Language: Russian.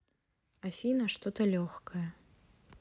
афина что то легкое